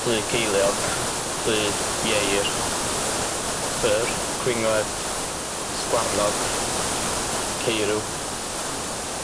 Plu ceiliog, plu ieir, ffyr, cwingod, sgwarnog, ceirw,